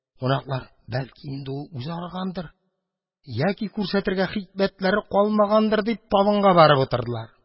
Кунаклар, бәлки, инде ул үзе арыгандыр яки күрсәтергә хикмәтләре калмагандыр дип, табынга барып утырдылар.